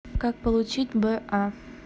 как получить б а